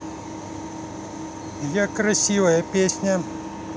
я красивая песня